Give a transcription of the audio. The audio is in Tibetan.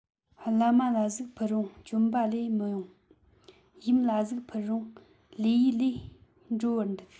བླ མ ལ གཟིགས ཕུལ རུང བཀྱོན པ ལས མི འོང ཡུམ ལ གཟིགས ཕུལ རུང ལས ཡུས སུ འགྲོ བར འདུག